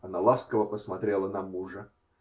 -- Она ласково посмотрела на мужа.